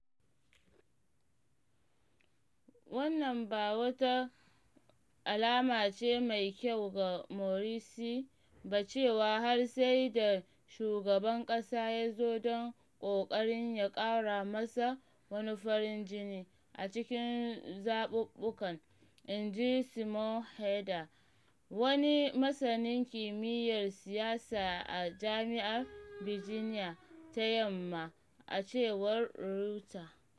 “Wannan ba wata alama ce mai kyau ga Morrisey ba cewa har sai da shugaban ƙasa ya zo don ƙoƙarin ya ƙara masa wani farin jini a cikin zaɓuɓɓukan,” inji Simon Haeder, wani masanin kimiyyar siyasa a Jami’ar Virginia ta Yamma, a cewar Reuters.